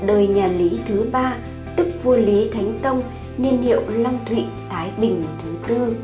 đời nhà lý thứ tức vua lý thánh tông niên hiệu long thụy thái bình thứ